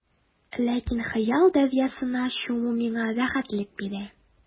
Ләкин хыял дәрьясына чуму миңа рәхәтлек бирә.